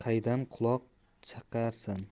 qaydan buloq chiqarsa